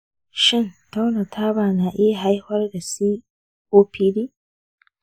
shin tauna taba na iya haifar da copd?